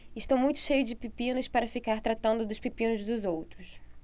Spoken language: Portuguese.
estou muito cheio de pepinos para ficar tratando dos pepinos dos outros